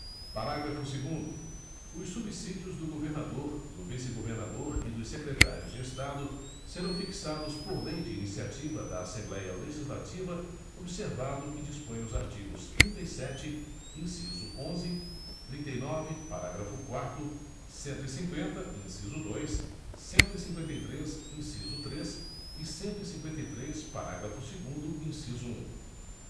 parágrafo segundo os subsídios do governador do vice governador e dos secretários de estado serão fixados por lei de iniciativa da assembléia legislativa observado o que dispõem os artigos trinta e sete inciso onze trinta e nove parágrafo quarto cento e cinquenta inciso dois cento e cinquenta e três inciso três e cento e cinquenta e três parágrafo segundo inciso um